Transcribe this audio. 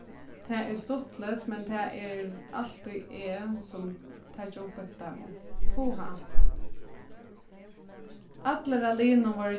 tað er stuttligt men tað er altíð eg sum taki upp eftir teimum puha allir á liðnum vóru